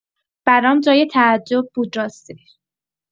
برام جای تعجب بود راستش